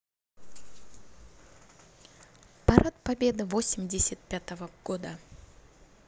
парад победы восемьдесят пятого года